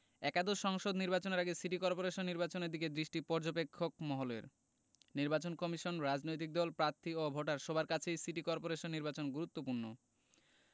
একাদশ সংসদ নির্বাচনের আগে সিটি করপোরেশন নির্বাচনের দিকে দৃষ্টি পর্যবেক্ষক মহলের নির্বাচন কমিশন রাজনৈতিক দল প্রার্থী ও ভোটার সবার কাছেই সিটি করপোরেশন নির্বাচন গুরুত্বপূর্ণ